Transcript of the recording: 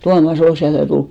Tuomas oli siellä ja tuli